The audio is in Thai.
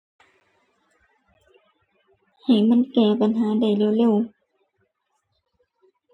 ให้มันแก้ปัญหาได้เร็วเร็ว